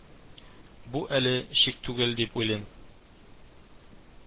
Бу әле чик түгел, дип уйлыйм